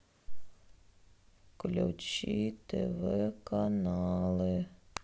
включи тв каналы